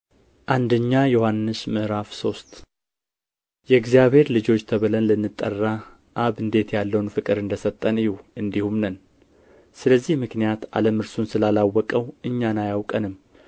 አንደኛ ዮሐንስ ምዕራፍ ሶስት የእግዚአብሔር ልጆች ተብለን ልንጠራ አብ እንዴት ያለውን ፍቅር እንደ ሰጠን እዩ እንዲሁም ነን ስለዚህ ምክንያት ዓለም እርሱን ስላላወቀው እኛን አያውቀንም